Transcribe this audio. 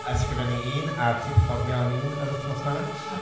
ysgrifennu un a ti’n perfformio yn un yr wythnos 'ma...